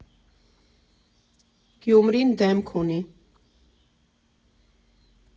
Գյումրին դեմք ունի։